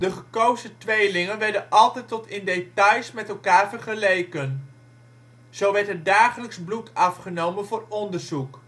gekozen tweelingen werden altijd tot in details met elkaar vergeleken. Zo werd er dagelijks bloed afgenomen voor onderzoek